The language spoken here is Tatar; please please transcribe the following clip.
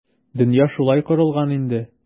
Дөнья шулай корылган инде.